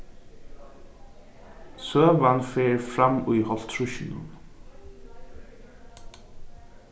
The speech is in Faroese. søgan fer fram í hálvtrýssunum